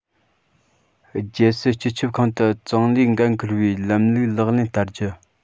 རྒྱལ སྲིད སྤྱི ཁྱབ ཁང དུ ཙུང ལིས འགན འཁུར བའི ལམ ལུགས ལག ལེན བསྟར རྒྱུ